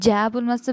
ja bo'lmasa